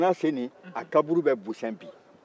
o wanase in a kaburu bɛ busɛn bi